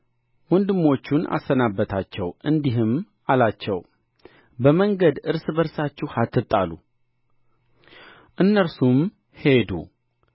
ወንድሞቹን አሰናበታቸው እንዲህም አላቸው በመንገድ እርስ በርሳችሁ አትጣሉ እነርሱም ሄዱ